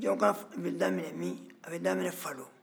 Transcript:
jɔnka bɛ daminɛ min a bɛ daminɛ falo